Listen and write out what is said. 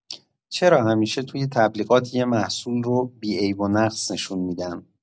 چرا همیشه توی تبلیغات یه محصول رو بی‌عیب‌ونقص نشون می‌دن؟